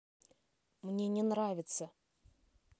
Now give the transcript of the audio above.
мне не нравится